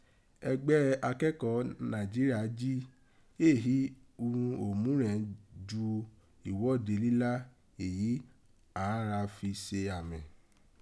Ẹgbẹ Akẹkọọ Naijiria jí éè hí urun òmúrẹ̀n jù ìgwọ́de líla èyí àn án ra fi ra se àmẹ̀n.